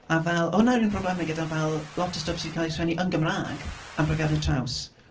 A fel, hwnna yw yr un problemau gyda fel, lot o stwff sydd 'di cael ei sgwennu yn Gymraeg am profiadau traws.